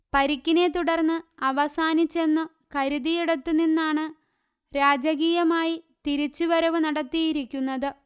പരിക്കിനെത്തുടർന്ന് അവസാനിച്ചെന്നു കരുതിയിടത്തു നിന്നാണ് രാജകീയമായി തിരിച്ചു വരവു നടത്തിയിരിക്കുന്നത്